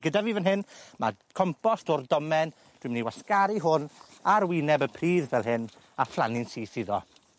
Gyda fi fyn hyn ma' compost o'r domen dwi myn' i wasgaru hwn ar wyneb y pridd fel hyn a phlannu'n syth iddo.